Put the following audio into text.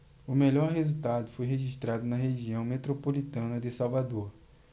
o melhor resultado foi registrado na região metropolitana de salvador